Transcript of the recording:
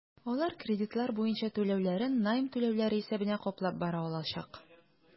Алар кредитлар буенча түләүләрен найм түләүләре исәбенә каплап бара алачак.